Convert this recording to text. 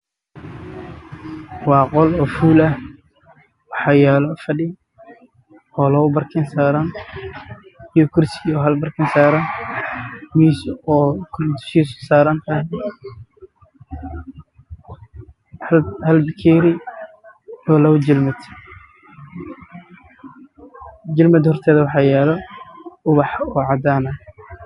Halkan waa qol fadhi li ubax baa yaalo